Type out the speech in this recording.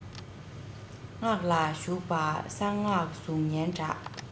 སྔགས ལ ཞུགས པ གསང སྔགས གཟུགས བརྙན འདྲ